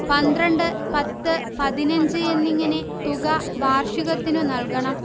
പന്ത്രണ്ട് പത്ത് പതിനഞ്ച് എന്നിങ്ങനെ തുക വാർഷികത്തിനു നല്കണം